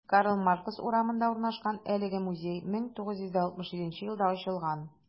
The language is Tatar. Карл Маркс урамында урнашкан әлеге музей 1967 елда ачылган.